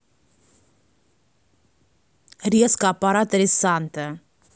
резко аппарата ресанта